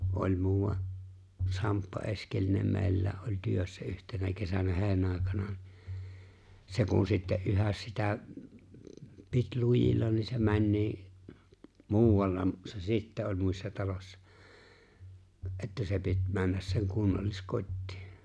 oli muuan Samppa Eskelinen meillä oli työssä yhtenä kesänä heinäntekoaikana niin se kun sitten yhä sitä piti lujilla niin se meni muualla se sitten oli muissa talossa että se piti mennä sen kunnalliskotiin